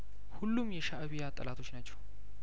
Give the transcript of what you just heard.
ሁሉም የሻእቢያ ጠላቶች ናቸው